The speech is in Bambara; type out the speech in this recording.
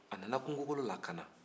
a nana kungokolo lakana